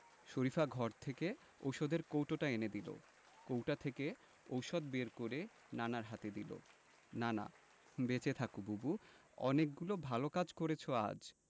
শরিফা ঘর থেকে ঔষধের কৌটোটা এনে দিল কৌটা থেকে ঔষধ বের করে নানার হাতে দিল নানা বেঁচে থাকো বুবু অনেকগুলো ভালো কাজ করেছ আজ